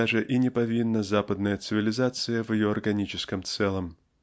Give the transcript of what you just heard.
даже и не повинная западная цивилизация в ее органическом целом.